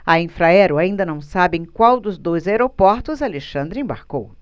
a infraero ainda não sabe em qual dos dois aeroportos alexandre embarcou